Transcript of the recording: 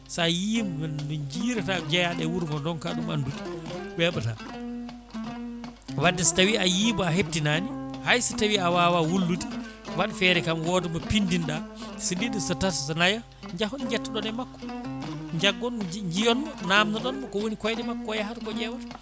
sa yiimo no jiirata jeeyaɗo e wuuro ngo donka ɗum andude weɓata wadde so tawi yii ko a heptinani hayso tawi a wawa wullude waat feere kam wooda mo pindinɗa so ɗiɗo so tato so naayo jaahon jettoɗon e makko jaggonmo jiyonymo namdo ɗonmo kowoni koyɗe makko ko yahata ko ƴewata